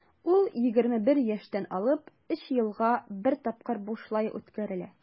Ул 21 яшьтән алып 3 елга бер тапкыр бушлай үткәрелә.